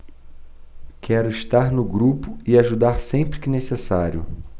quero estar no grupo e ajudar sempre que necessário